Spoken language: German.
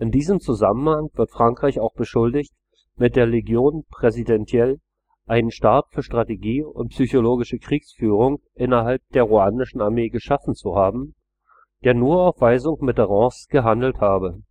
diesem Zusammenhang wird Frankreich auch beschuldigt, mit der légion présidentielle einen Stab für Strategie und psychologische Kriegführung innerhalb der ruandischen Armee geschaffen zu haben, der nur auf Weisung Mitterrands gehandelt habe